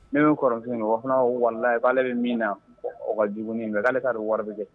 o fana b'a fɔ ko walahi k'ale bɛ min na, o ka jugu ni nin bɛɛ ye k'ale t'a dɔn wari bɛ kɛ